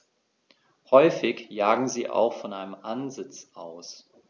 Häufig jagen sie auch von einem Ansitz aus.